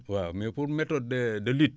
waaw mais pour méthode de de lutte